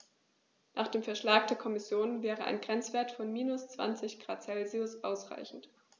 Nach dem Vorschlag der Kommission wäre ein Grenzwert von -20 ºC ausreichend.